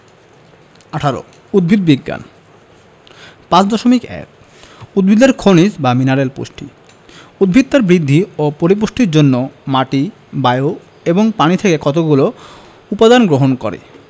১৮ উদ্ভিদ বিজ্ঞান 5.1 উদ্ভিদের খনিজ বা মিনারেল পুষ্টি উদ্ভিদ তার বৃদ্ধি ও পরিপুষ্টির জন্য মাটি বায়ু এবং পানি থেকে কতগুলো উপদান গ্রহণ করে